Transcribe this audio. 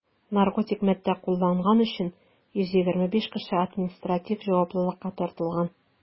Наркотик матдә кулланган өчен 125 кеше административ җаваплылыкка тартылган.